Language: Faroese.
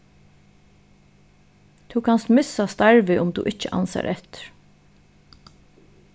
tú kanst missa starvið um tú ikki ansar eftir